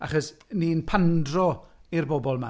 Achos ni'n pandro i'r bobl 'ma.